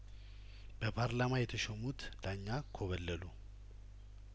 በፓርላማ የተሾሙት ዳኛ ኮበለሉ